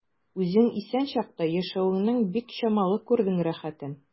Үзең исән чакта яшәвеңнең бик чамалы күрдең рәхәтен.